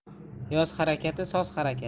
yoz harakati soz harakat